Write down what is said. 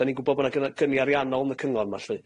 'Dan ni'n gwbod bo' 'na gyna- gyni ariannol yn y cyngor 'ma lly.